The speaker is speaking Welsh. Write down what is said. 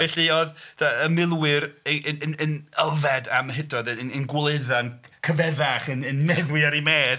Felly oedd y y milwyr yy yn yn yn yfed am hydoedd yn yn yn gwledda'n cyfeddach, yn yn meddwi ar eu medd.